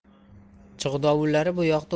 chig'dovullari bu yoqqa